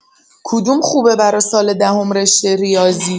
کدوم خوبه برا سال دهم رشته ریاضی؟